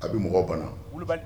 A bɛ mɔgɔ bana, wulibali